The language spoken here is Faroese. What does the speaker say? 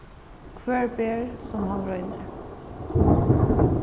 hvør ber sum hann roynir